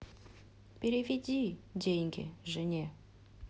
переведи деньги жене